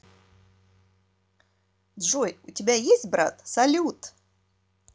джой у тебя есть брат салют